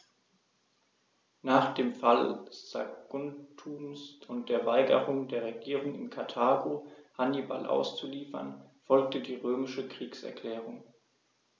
Nach dem Fall Saguntums und der Weigerung der Regierung in Karthago, Hannibal auszuliefern, folgte die römische Kriegserklärung.